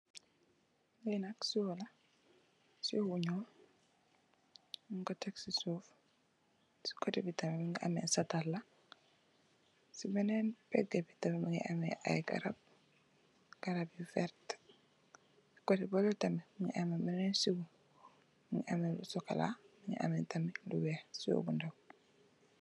Li nak sow la, sow bu ñuul nung ko tekk ci suuf. Ci kotè bi tamit mungi ameh satala. Ci benen pègg bi tamit mungi ameh ay garab, garab yu vert. Kotè balè tamit mungi ameh benen sow mungi lu sokola, mungi ameh tamit lu weeh.